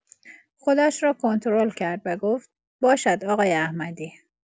خودش را کنترل کرد و گفت: «باشد آقای احمدی.»